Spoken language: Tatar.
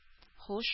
Һуш